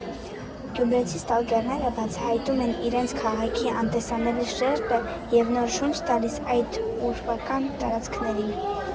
Գյումրեցի ստալկերները բացահայտում են իրենց քաղաքի անտեսանելի շերտը և նոր շունչ տալիս այդ ուրվական տարածքներին։